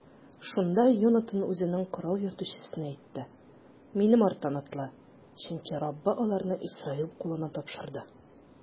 Шунда Йонатан үзенең корал йөртүчесенә әйтте: минем арттан атла, чөнки Раббы аларны Исраил кулына тапшырды.